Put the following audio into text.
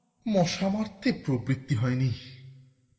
মশা মারতে আর প্রবৃত্তি হয়নি